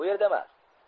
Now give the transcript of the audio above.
bu yerdamas